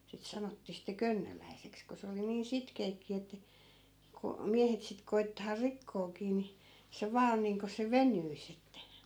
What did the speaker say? sitten sanottiin sitten könnöläiseksi kun se oli niin sitkeäkin että kun miehet sitten koettaa rikkoakin niin se vain on niin kuin se venyisi että